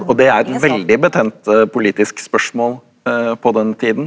og det er et veldig betent politisk spørsmål på den tiden.